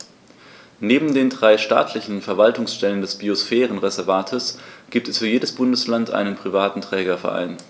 Neben den drei staatlichen Verwaltungsstellen des Biosphärenreservates gibt es für jedes Bundesland einen privaten Trägerverein.